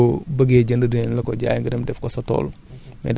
boo demoom fu mel ni Lam Lam wala Matam wala sax Kebemer